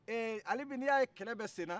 ɛ halibi n'i y'a ye kɛlɛ bɛ sen na